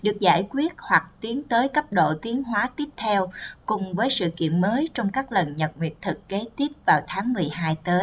được giải quyết hoặc tiến tới cấp độ tiến hóa tiếp theo cùng với sự kiện mới trong các lần nhật nguyệt thực kế tiếp vào tháng tới